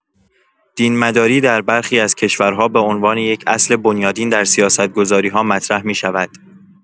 دین‌مداری در برخی از کشورها به‌عنوان یک اصل بنیادین در سیاست‌گذاری‌ها مطرح می‌شود.